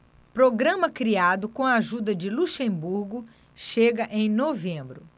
programa criado com a ajuda de luxemburgo chega em novembro